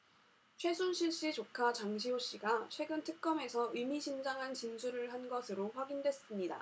최순실 씨 조카 장시호 씨가 최근 특검에서 의미심장한 진술을 한 것으로 확인됐습니다